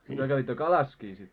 no te kävitte kalassakin sitten